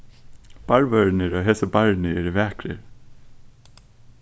barrvørðirnir á hesi barrini eru vakrir